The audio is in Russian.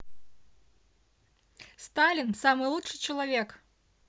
сталин самый лучший человек